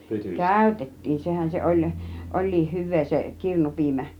käytettiin sehän se oli olikin hyvää se kirnupiimä